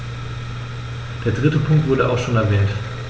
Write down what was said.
Der dritte Punkt wurde auch schon erwähnt.